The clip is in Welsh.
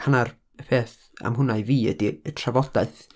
Hanner y peth am hwnna, i fi, ydy y trafodaeth.